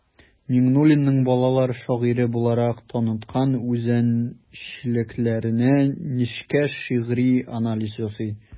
Миңнуллинны балалар шагыйре буларак таныткан үзенчәлекләренә нечкә шигъри анализ ясый.